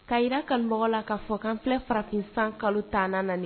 Ka yira kanubagaw la ka fɔ k'an filɛ farafin san kalo 10 nan na ni ye